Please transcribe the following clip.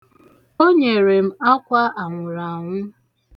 O nyere m akwa anwụraanwụ.